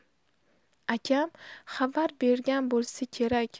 akam xabar bergan bo'lsa kerak